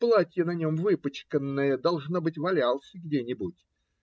Платье на нем выпачканное: должно быть, валялся где-нибудь.